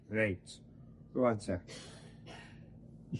Reit, go on te.